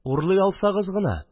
Урлый алсагыз гына